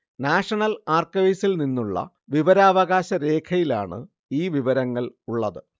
national ആർക്കൈവ്സിൽ നിന്നുള്ള വിവരാവകാശ രേഖയിലാണ് ഈ വിവരങ്ങൾ ഉള്ളത്